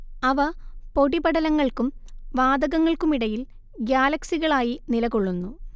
അവ പൊടിപടലങ്ങൾക്കും വാതകങ്ങൾക്കുമിടയിൽ ഗ്യാലക്സികളായി നിലകൊള്ളുന്നു